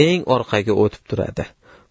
eng orqaga o'tib turadi